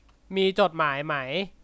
มีจดหมายไหม